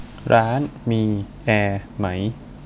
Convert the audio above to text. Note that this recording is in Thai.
ร้านมีแอร์ไหม